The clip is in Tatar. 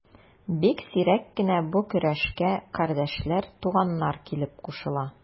Бик сирәк кенә бу көрәшкә кардәшләр, туганнар килеп кушыла.